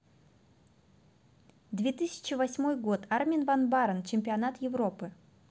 две тысячи восьмой год armin van buuren чемпионат европы